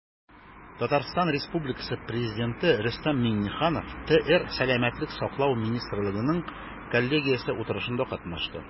Татарстан Республикасы Президенты Рөстәм Миңнеханов ТР Сәламәтлек саклау министрлыгының коллегиясе утырышында катнашты.